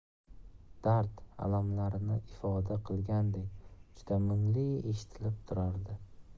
dard alamlarini ifoda qilgandek juda mungli eshitilib turardi